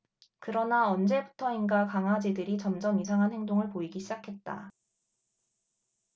그러나 언제부터인가 강아지들이 점점 이상한 행동을 보이기 시작했다